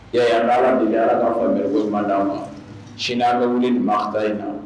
E' ala deli ala'a mɛ ma d ma c'a bɛ wuli nin makan in na